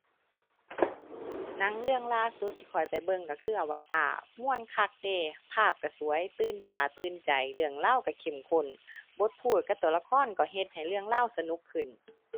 หนังเรื่องล่าสุดที่ข้อยไปเบิ่ง ก็คือ Avatar ม่วนคักเดะ ภาพก็สวย ตื่นตาตื่นใจ เรื่องราวก็เข้มข้น บทพูดกับก็ละครก็เฮ็ดให้เรื่องราวสนุกขึ้น